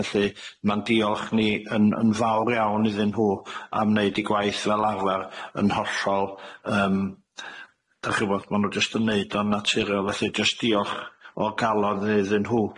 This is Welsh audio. Felly ma'n diolch ni yn yn fawr iawn iddyn nhw am neud eu gwaith fel arfer yn hollol yym dach chi'n wbod ma' nw jyst yn neud o'n naturiol felly jyst diolch o galodd iddyn nhw.